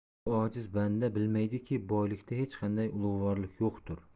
bu ojiz banda bilmaydi ki boylikda hech qanday ulug'vorlik yo'qtur